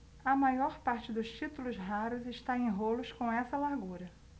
a maior parte dos títulos raros está em rolos com essa largura